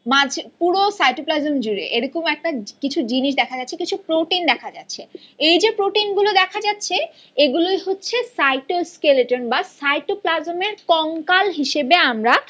পুরো সাইটোপ্লাজম জুড়ে এরকম কিছু জিনিস দেখা যাচ্ছে কিছু প্রোটিন দেখা যাচ্ছে এ যে প্রোটিন গুলো দেখা যাচ্ছে এগুলোই হচ্ছে সাইটোস্কেলিটন বা সাইটোপ্লাজমের কঙ্কাল হিসেবে আমরা